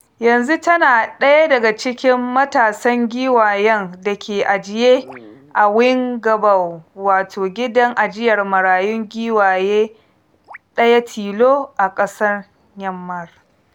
Yanzu tana ɗaya daga cikin matasan giwayen da ke ajiye a Wingabaw, wato gidan ajiyar marayun giwaye ɗaya tilo a ƙasar Myanmar.